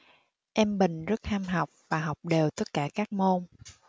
em bình rất ham học và học đều tất cả các môn